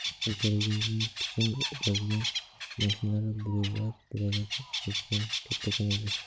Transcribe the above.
xo'jaligimizning pichan o'radigan mashinalari buralib buralib oqayotgan kattakon edi